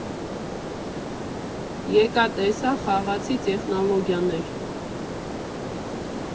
ԵԿԱ ՏԵՍԱ ԽԱՂԱՑԻ Տեխնոլոգիաներ։